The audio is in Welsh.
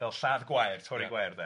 fel lladd gwair, torri gwair de.